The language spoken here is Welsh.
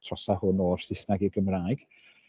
Trosa hwn o'r Saesneg i'r Gymraeg.